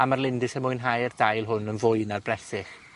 a ma'r lindys y mwynhau'r dail hwn yn fwy na'r bresych.